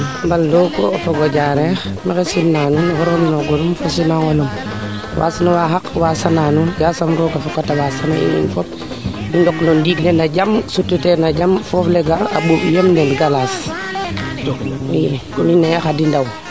i mbal dooko fogo Diarekh maxey simna nuun oxu refna no gonum fo na simangolum waasnuwa xaq wasana nuun yasam rooga fokata waasana in fop i ndokna na ndiing ne na jam sutu teen na jam sutu teen na jam foof le gar a ɓuumb yem nen glace i mi ne'e Khady Ndaw